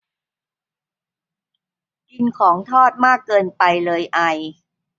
กินของทอดมากเกินไปเลยไอ